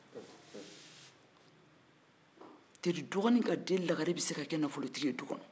dɔgɔnin ka lagare be se ka kɛ nafolotigi ye so kɔnɔ